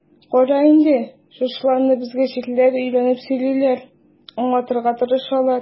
Кара инде, шушыларны безгә читләр өйрәнеп сөйлиләр, аңлатырга тырышалар.